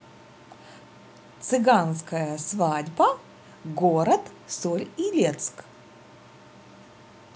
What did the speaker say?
цыганская свадьба город соль илецк